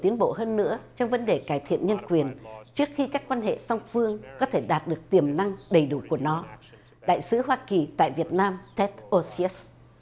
tiến bộ hơn nữa trong vấn đề cải thiện nhân quyền trước khi các quan hệ song phương có thể đạt được tiềm năng đầy đủ của nó đại sứ hoa kỳ tại việt nam tét ô xi út